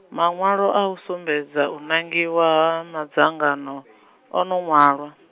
maṅwalo a u sumbedza u nangiwa ha madzangano , o no ṅwalwa.